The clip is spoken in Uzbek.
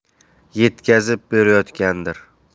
yetkazib berayotgandir